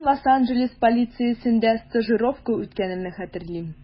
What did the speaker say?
Мин Лос-Анджелес полициясендә стажировка үткәнемне хәтерлим.